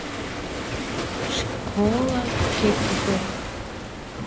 школа кгб